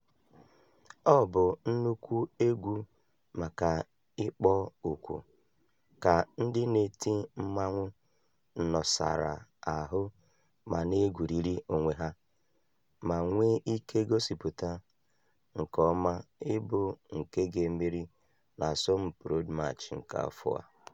Ọ bụ nnukwu egwu maka ikpo okwu ka ndị na-eti mmanwụ nọsara ahụ ma “na-egwuriri onwe ha”, ma nwee ike gosipụta nke ọma ịbụ nke ga-emeri n'asọmpị Road March nke afọ a.